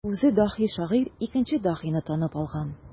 Үзе даһи шагыйрь икенче даһине танып алган.